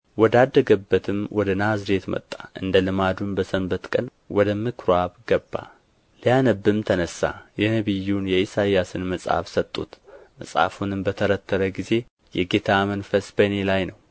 ወዳደገበትም ወደ ናዝሬት መጣ እንደ ልማዱም በሰንበት ቀን ወደ ምኵራብ ገባ ሊያነብም ተነሣ የነቢዩንም የኢሳይያስን መጽሐፍ ሰጡት መጽሐፉንም በተረተረ ጊዜ የጌታ መንፈስ በእኔ ላይ ነው